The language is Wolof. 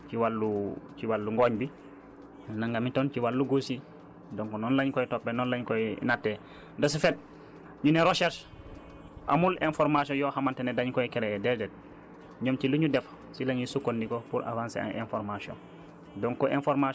nàngami tonne ci wàllu ci wàllu ngooñ bi nàngami tonnes ci wàllu gosi donc noonu la ñu koy toppee noonu lañ koy nattee de ce faite ñu ne recherche amul information yoo xam ne dañ koy créer déedéet ñun si li ñu def si la ñuy sukkandiku pour avancer ay informations